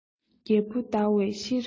རྒྱལ བུ ཟླ བའི ཤེས རབ ཀྱིས